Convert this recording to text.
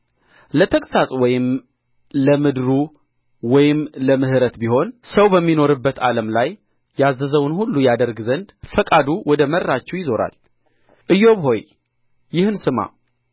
ለተግሣጽ ወይም ለምድሩ ወይም ለምሕረት ቢሆን ሰው በሚኖርበት ዓለም ላይ ያዘዘውን ሁሉ ያደርግ ዘንድ ፈቃዱ ወደ መራችው ይዞራል ኢዮብ ሆይ ይህን ስማ